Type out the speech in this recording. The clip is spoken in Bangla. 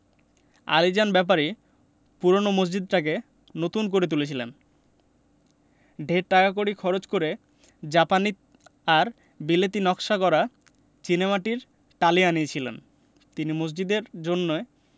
আলীজান ব্যাপারী পূরোনো মসজিদটাকে নতুন করে তুলেছিলেন ঢের টাকাকড়ি খরচ করে জাপানি আর বিলেতী নকশা করা চীনেমাটির টালি আনিয়েছিলেন তিনি মসজিদের জন্যে